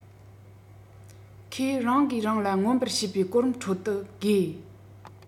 ཁོས རང གིས རང ལ མངོན པར བྱེད པའི གོ རིམ ཁྲོད དུ དགོས